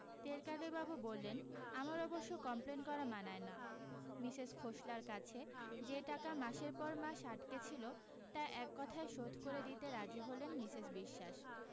তেলকালিবাবু বললেন আমার অবশ্য কমপ্লেন করা মানায় না মিসেস খোসলার কাছে যে টাকা মাসের পর মাস আটকে ছিল তা এক কথায় শোধ করে দিতে রাজি হলেন মিসেস বিশ্বাস